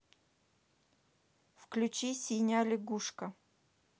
включи синяя лягушка